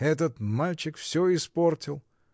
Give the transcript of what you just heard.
— Этот мальчишка всё испортил.